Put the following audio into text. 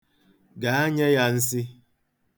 Gaa, nye ya nsi.